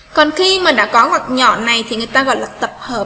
còn khi mà đã có mặt nhỏ này thì tao gọi tập hợp